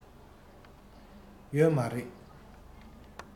ཡོད མ རེད